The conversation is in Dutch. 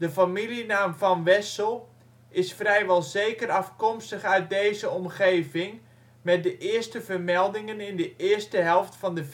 familienaam VAN WESSEL is vrijwel zeker afkomstig uit deze omgeving met de eerste vermeldingen in de eerste helft van de